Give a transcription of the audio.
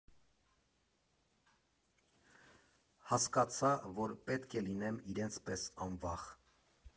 Հասկացա, որ պետք է լինեմ իրենց պես անվախ։